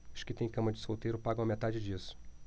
os que têm cama de solteiro pagam a metade disso